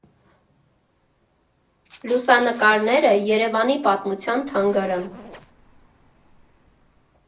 Լուսանկարները՝ Երևանի պատմության թանգարան։